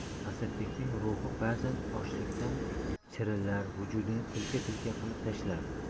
asadbekning ruhi ba'zan ochlikdan chirillar vujudini tilka tilka qilib tashlardi